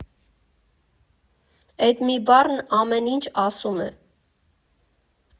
Էդ մի բառն ամեն ինչ ասում է։